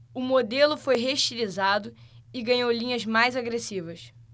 o modelo foi reestilizado e ganhou linhas mais agressivas